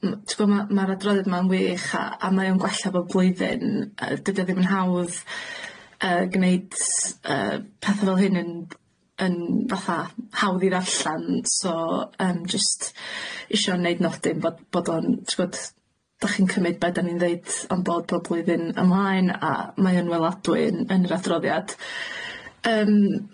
m- t'bo' ma' ma'r adroddiad ma'n wych a a mae o'n gwella bob blwyddyn yy dydi o ddim yn hawdd yy gneud s- yy petha' fel hyn yn yn fatha hawdd i ddarllan so yym jyst isio neud nodyn bod bod o'n t'bo' 'dach chi'n cymyd be' 'dan ni'n ddeud on board bob blwyddyn ymlaen a mae yn weladwy yn yn yr adroddiad. Yym,